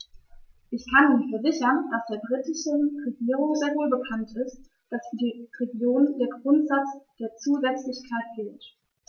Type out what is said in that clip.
Ich kann Ihnen versichern, dass der britischen Regierung sehr wohl bekannt ist, dass für die Regionen der Grundsatz der Zusätzlichkeit gilt.